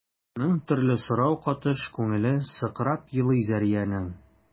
Мең төрле сорау катыш күңеле сыкрап елый Зәриянең.